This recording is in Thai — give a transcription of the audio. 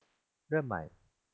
เริ่มใหม่